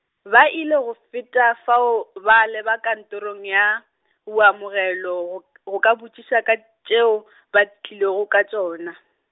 ba ile go feta fao, ba leba kantorong ya, boamogelo go k-, go ka botšiša ka tšeo , ba tlilego ka tšona.